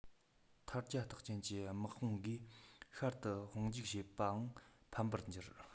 མཐར རྒྱ གྲམ རྟགས ཅན དམག དཔུང གིས ཤར དུ དཔུང འཇུག བྱེད པའང ཕམ པར གྱུར